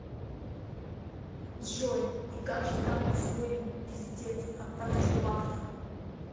джой и как же там по своему пиздец а так чувак там